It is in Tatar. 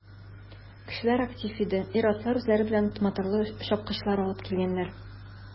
Кешеләр актив иде, ир-атлар үзләре белән моторлы чапкычлар алыпн килгәннәр.